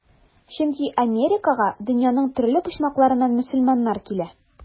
Чөнки Америкага дөньяның төрле почмакларыннан мөселманнар килә.